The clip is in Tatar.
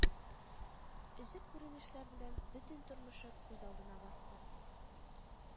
Өзек күренешләр белән бөтен тормышы күз алдына басты